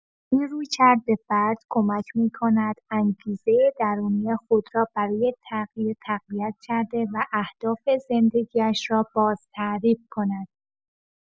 این رویکرد به فرد کمک می‌کند انگیزه درونی خود را برای تغییر تقویت کرده و اهداف زندگی‌اش را بازتعریف کند.